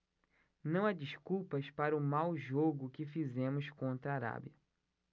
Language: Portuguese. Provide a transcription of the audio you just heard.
não há desculpas para o mau jogo que fizemos contra a arábia